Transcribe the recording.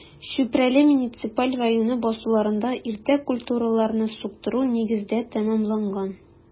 Чүпрәле муниципаль районы басуларында иртә культураларны суктыру нигездә тәмамланган.